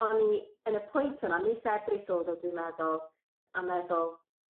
O'n i yn y pwynt yna mis Ebrill o'dd o dwi meddwl, a meddwl